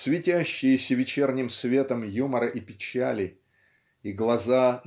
светящиеся вечерним светом юмора и печали и глаза